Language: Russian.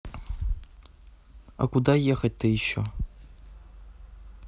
а куда ехать то еще